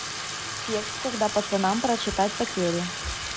текст когда пацанам прочитать потери